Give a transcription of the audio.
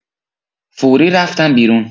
فوری رفتم بیرون